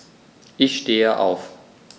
Ich stehe auf.